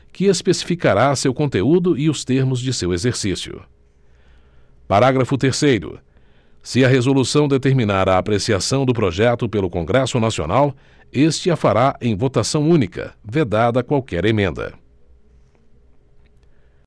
que especificará seu conteúdo e os termos de seu exercício parágrafo terceiro se a resolução determinar a apreciação do projeto pelo congresso nacional este a fará em votação única vedada qualquer emenda